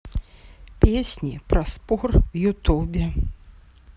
песни про спор в ютубе